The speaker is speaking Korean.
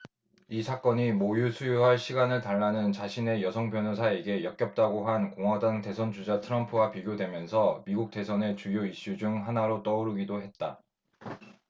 이 사건이 모유 수유할 시간을 달라는 자신의 여성 변호사에게 역겹다고 한 공화당 대선 주자 트럼프와 비교되면서 미국 대선의 주요 이슈 중 하나로 떠오르기도 했다